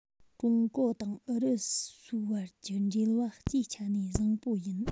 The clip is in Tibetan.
ཀྲུང གོ དང ཨུ རུ སུའུ བར གྱི འབྲེལ བ སྤྱིའི ཆ ནས བཟང པོ ཡིན